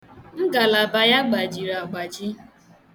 Ngalaba ya gbajiri agbaji.